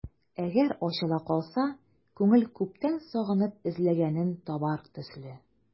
Әгәр ачыла калса, күңел күптән сагынып эзләгәнен табар төсле...